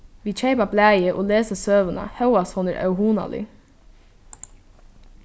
vit keypa blaðið og lesa søguna hóast hon er óhugnalig